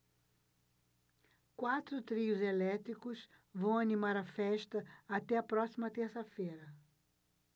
quatro trios elétricos vão animar a festa até a próxima terça-feira